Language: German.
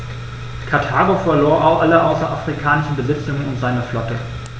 Karthago verlor alle außerafrikanischen Besitzungen und seine Flotte.